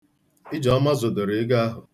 Ijeọma zọdoro ego ahụ.